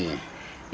ii